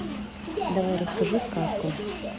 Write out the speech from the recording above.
давай расскажи сказку